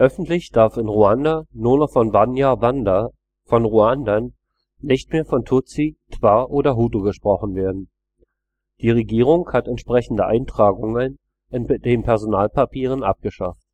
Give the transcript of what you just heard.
Öffentlich darf in Ruanda nur von Banyarwanda, von Ruandern, nicht mehr von Tutsi, Twa oder Hutu gesprochen werden. Die Regierung hat entsprechende Eintragungen in den Personalpapieren abgeschafft